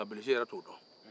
nka bilisi yɛrɛ tɛ o dɔn